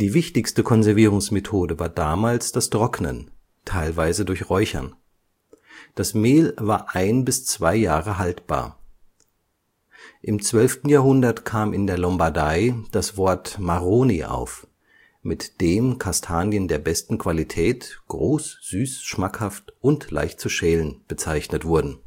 wichtigste Konservierungsmethode war damals das Trocknen, teilweise durch Räuchern. Das Mehl war ein bis zwei Jahre haltbar. Im 12. Jahrhundert kam in der Lombardei das Wort Marroni auf, mit dem Kastanien der besten Qualität, groß, süß, schmackhaft und leicht zu schälen, bezeichnet wurden